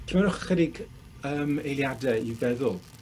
Treuliwch ychydig yym eiliade i feddwl